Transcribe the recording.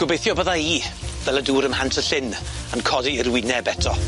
Gobeithio bydda i, fel y dŵr ym Mhant y Llyn, yn codi i'r wyneb eto.